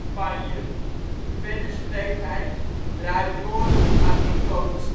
Spanje. Verder schreef hij: Rariorum aliquot